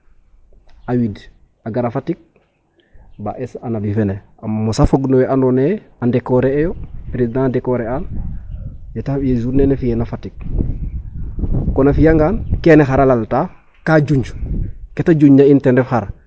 A wid a gara Fatick ba es Aamdi fene a mosa fog no we andoona yee a décorer eyo president décorer an yee te ye journée ne fi'eena Fatick kon a fi'angaan kene xar a lalta ka junj ke ta junjna in ten ref xar ?